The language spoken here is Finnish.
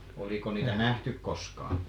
oliko niitä nähty koskaan